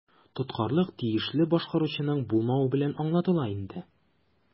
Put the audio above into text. Тоткарлык тиешле башкаручының булмавы белән аңлатыла иде.